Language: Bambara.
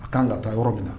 A ka kan ka taa yɔrɔ minna